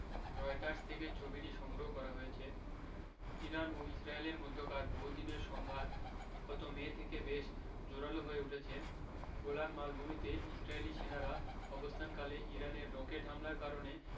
Reuters থেকে ছবিটি সংগ্রহ করা হয়েছে ইরান ও ইসরায়েলের মধ্যকার বহুদিনের সংঘাত গত মে থেকে বেশ জোরালো হয়ে উঠেছে গোলান মালভূমিতে ইসরায়েলি সেনারা অবস্থানকালে ইরানের রকেট হামলার কারণে